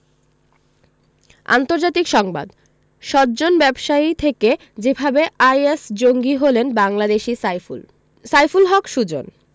আন্তর্জাতিক সংবাদ সজ্জন ব্যবসায়ী থেকে যেভাবে আইএস জঙ্গি হলেন বাংলাদেশি সাইফুল সাইফুল হক সুজন